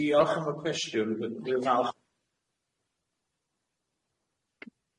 D- diolch am y cwestiwn dwi'n dwi'n falch